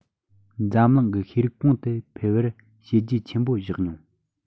འཛམ གླིང གི ཤེས རིག གོང དུ འཕེལ བར བྱས རྗེས ཆེན པོ བཞག མྱོང